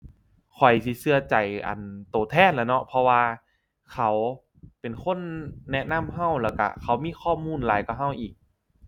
ข้อยสิเชื่อใจ อั่น เชื่อแทนล่ะเนาะ เพราะว่าเขาเป็นคนแนะนำเชื่อ แล้วเชื่อเขามีข้อมูลหลายกว่าเชื่ออีก